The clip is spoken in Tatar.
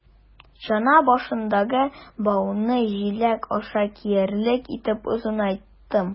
Чана башындагы бауны җилкә аша киярлек итеп озынайттым.